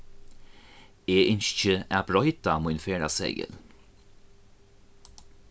eg ynski at broyta mín ferðaseðil